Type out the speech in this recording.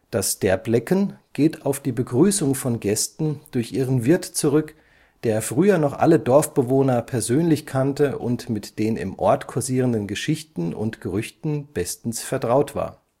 Das Derblecken (bairisch, etwa „ sich über jemanden lustig machen “) geht auf die Begrüßung von Gästen durch ihren Wirt zurück, der früher noch alle Dorfbewohner persönlich kannte und mit den im Ort kursierenden Geschichten und Gerüchten bestens vertraut war